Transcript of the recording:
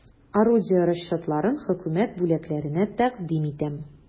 Орудие расчетларын хөкүмәт бүләкләренә тәкъдим итәм.